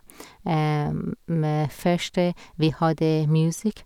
Med første vi hadde musikk.